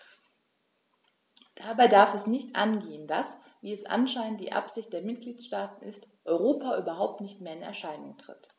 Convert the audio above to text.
Dabei darf es nicht angehen, dass - wie es anscheinend die Absicht der Mitgliedsstaaten ist - Europa überhaupt nicht mehr in Erscheinung tritt.